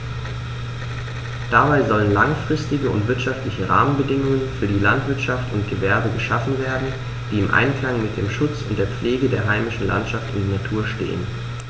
Dabei sollen langfristige und wirtschaftliche Rahmenbedingungen für Landwirtschaft und Gewerbe geschaffen werden, die im Einklang mit dem Schutz und der Pflege der heimischen Landschaft und Natur stehen.